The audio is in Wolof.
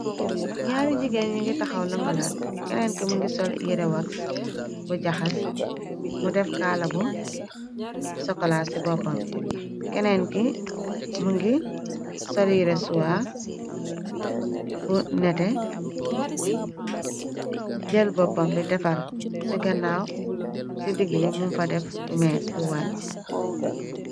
Ñaari jigeen ñu ngi taxaw lëngaland, keneen ki mu ngi sol yëre wax bu jaxas, mu def kaala bu sokola ci boppamb, kenneen ki mu ngi solyire suwa bu nete, jël boppam bi defaru ci gannaaw, ci digg bi mum fa def mees bu wàcc.